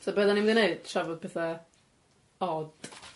So be' 'dan ni'n myn' i neud, trafod petha od?